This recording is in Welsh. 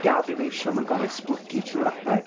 Gael be mae isio, mae'n gorfod esblygu trwy'r adeg...